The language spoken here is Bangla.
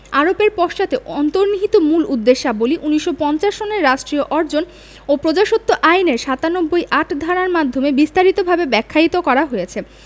আরোপের পশ্চাতে অন্তর্নিহিত মূল উদ্দেশ্যাবলী ১৯৫০ সনের রাষ্ট্রীয় অর্জন ও প্রজাস্বত্ব আইনের ৯৭ ৮ ধারার মাধ্যমে বিস্তারিতভাবে ব্যাখ্যায়িত করা হয়েছে